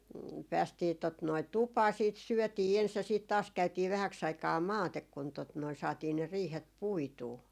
päästiin tuota noin tupaan sitten syötiin ensin ja sitten taas käytiin vähäksi aikaa maate kun tuota noin saatiin ne riihet puitua